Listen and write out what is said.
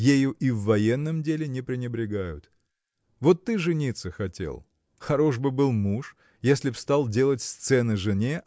ею и в военном деле не пренебрегают. Вот ты жениться хотел хорош был бы муж если б стал делать сцены жене